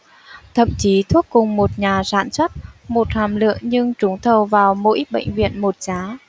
thậm chí thuốc cùng một nhà sản xuất một hàm lượng nhưng trúng thầu vào mỗi bệnh viện một giá